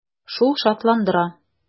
Шул шатландыра.